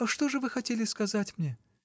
— Что же вы хотели сказать мне?